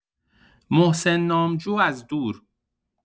محسن نامجو از دور